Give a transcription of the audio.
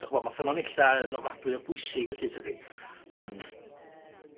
'dych ch'mod ma' ffynonella yn ofnadwy o bwysig felly tydi? Hmm.